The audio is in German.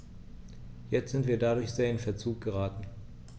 Jetzt sind wir dadurch sehr in Verzug geraten.